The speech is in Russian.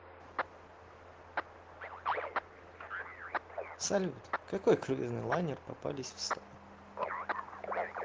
салют какой круизный лайнер попались в стол